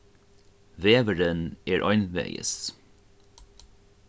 vegurin er einvegis